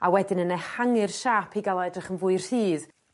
A wedyn yn ehangu'r siâp i ga'l o edrych yn fwy rhydd.